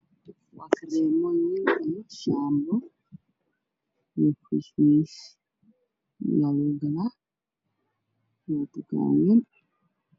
Waa caadado shaambo midabkoodu yihiin guduud furarka waa madow wayna fara badan yihiin